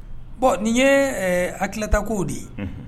Bɔn nin ye akita koo de ye